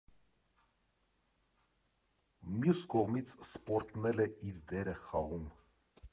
Մյուս կողմից՝ սպորտն էլ է իր դերը խաղում։